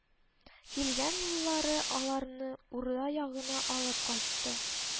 Килгән юллары аларны урда ягына алып кайтты